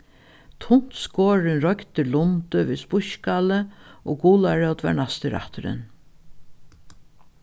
tunt skorin royktur lundi við spískkáli og gularót var næsti rætturin